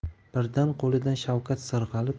birdan qo'lidan shavkat sirg'alib